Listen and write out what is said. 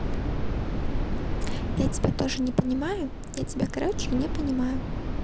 я тебя тоже не понимаю я тебя короче не понимаю